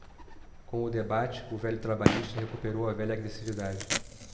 com o debate o velho trabalhista recuperou a velha agressividade